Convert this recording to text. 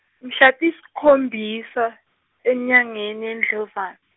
mhla tisikhombisa, enyangeni yeNdlova-.